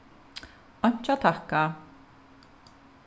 einki at takka